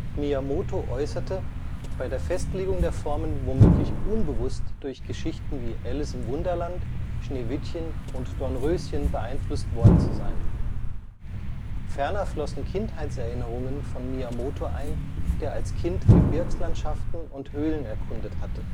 Miyamoto äußerte bei der Festlegung der Formen womöglich unbewusst durch Geschichten wie Alice im Wunderland, Schneewittchen und Dornröschen beeinflusst worden zu sein. Ferner flossen Kindheitserinnerungen von Miyamoto ein, der als Kind Gebirgslandschaften und Höhlen erkundet hatte